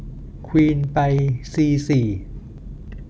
ควีนไปซีสี่